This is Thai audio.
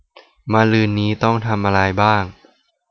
มะรืนนี้ต้องทำอะไรบ้าง